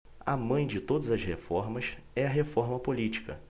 a mãe de todas as reformas é a reforma política